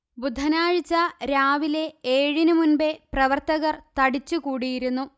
ബുധനാഴ്ച രാവിലെ ഏഴിനു മുന്പേ പ്രവർത്തകർ തടിച്ചു കൂടിയിരുന്നു